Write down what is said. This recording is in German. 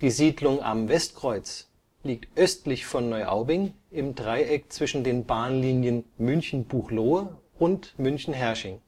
Siedlung Am Westkreuz liegt östlich von Neuaubing, im Dreieck zwischen den Bahnlinien München – Buchloe und München – Herrsching